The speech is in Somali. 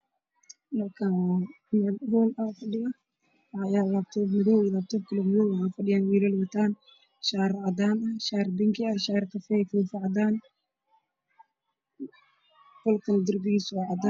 Halkaan waa masaajid waxaa fadhiyo dad badan qaar qamiisyo cadcad wataan masaajidka midabkiisa waa cadaan